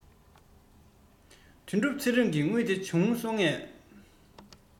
དོན གྲུབ ཚེ རིང གི དངུལ དེ བྱུང སོང ངས